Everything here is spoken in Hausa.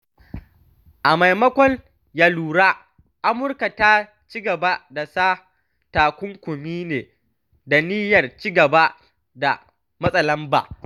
A maimaiko, ya lura, Amurka ta ci gaba da sa takunkumi ne da niyyar ci gaba da matsa lamba.